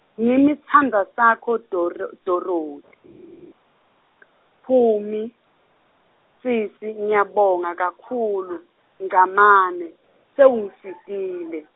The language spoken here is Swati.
ngimi sitsandvwa sakho Doro- Dorothi , Phumi, sisi ngiyabonga kakhulu, Ngcamane, sewungisitile.